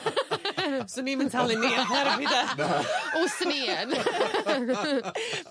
Swn i'm yn talu ni am therapi 'de? Na! O swn i yn.